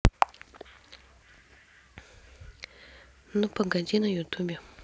ну погоди на ютубе